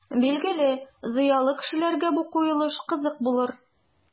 Билгеле, зыялы кешеләргә бу куелыш кызык булыр.